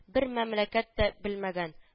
Бер мәмләкәт тә белмәгән